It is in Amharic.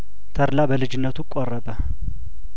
ተድላ በልጅነቱ ቆረበ